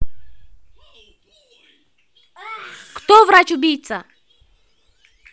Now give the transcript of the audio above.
кто врач убийца